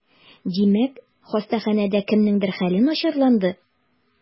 Димәк, хастаханәдә кемнеңдер хәле начарланды?